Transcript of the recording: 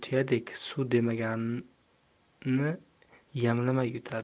tuyadek suv demaganni yamlamay yutadi